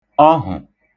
ọhụ̀